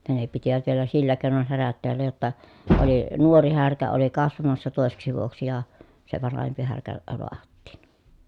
ja ne pitivät vielä sillä keinoin härät täällä jotta oli nuori härkä oli kasvamassa toiseksi vuodeksi ja se vanhempi härkä lahdattiin